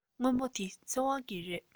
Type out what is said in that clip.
སྔོན པོ འདི ཚེ དབང གི རེད